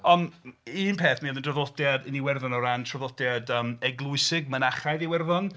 Ond un peth mi oedd yn draddodiad yn Iwerddon o ran traddodiad yym eglwysig, Mynachaidd Iwerddon...